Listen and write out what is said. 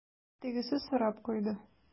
Тегесе сорап куйды: